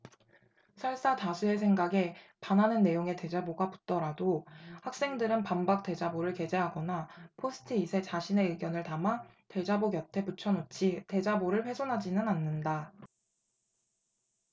설사 다수의 생각에 반하는 내용의 대자보가 붙더라도 학생들은 반박 대자보를 게재하거나 포스트잇에 자신의 의견을 담아 대자보 곁에 붙여놓지 대자보를 훼손하지는 않는다